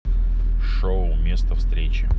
шоу место встречи